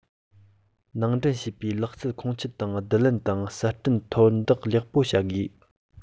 ནང འདྲེན བྱས པའི ལག རྩལ ཁོང ཆུད དང བསྡུ ལེན དང གསར སྐྲུན མཐོར འདེགས ལེགས པོ བྱ དགོས